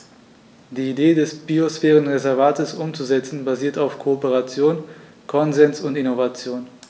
Die Idee des Biosphärenreservates umzusetzen, basiert auf Kooperation, Konsens und Innovation.